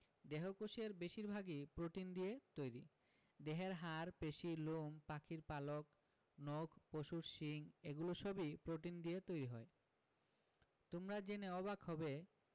দেহকোষের বেশির ভাগই প্রোটিন দিয়ে তৈরি দেহের হাড় পেশি লোম পাখির পালক নখ পশুর শিং এগুলো সবই প্রোটিন দিয়ে তৈরি হয় তোমরা জেনে অবাক হবে